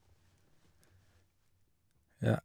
Ja.